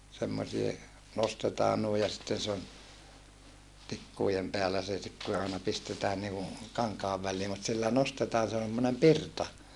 semmoisia nostetaan noin ja sitten se on tikkujen päällä se sitten kun se aina pistetään niin kuin kankaan väliin mutta sillä nostetaan se on semmoinen pirta